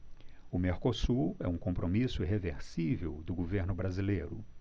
o mercosul é um compromisso irreversível do governo brasileiro